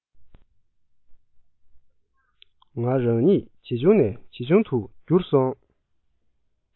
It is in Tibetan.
ང རང ཉིད ཇེ ཆུང ནས ཇེ ཆུང དུ གྱུར སོང